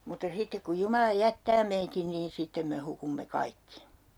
mutta sitten kun Jumala jättää meidän niin sitten me hukumme kaikki